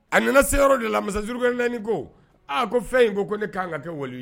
A nana se yɔrɔ dɔ la masazurukaranaani ko aa ko fɛn in ko ne kan ka kɛ wuli